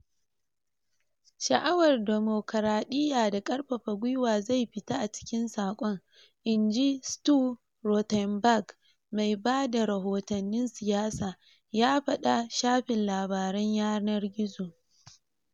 "Sha'awar dimokuradiya da karfafa gwiwa zai fita a cikin sakon," in ji Stu Rothenberg, mai ba da rahotannin siyasa, ya fada shafin labaran yanar gizon.